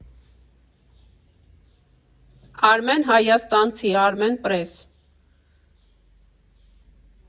Արմեն Հայաստանցի Արմենպրես։